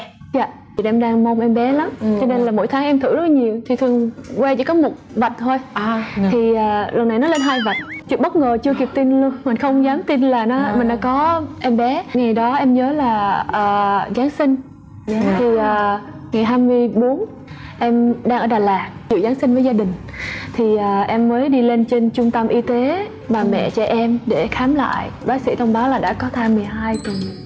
dạ thì đâm ra em mong em bé lắm cho nên là mỗi tháng em thử rất là nhiều thì thường que chỉ có một vạch thôi thì à lần này nó lên hai vạch chuyện bất ngờ chưa kịp tin luôn mình không dám tin là nó mình đã có em bé vì đó em nhớ là ờ giáng sinh thì ờ ngày hai mươi bốn em đang ở đà lạt dự giáng sinh với gia đình thì à em mới đi lên trên trung tâm y tế bà mẹ trẻ em để khám lại bác sỉ thông báo là đã có thai mười hai tuần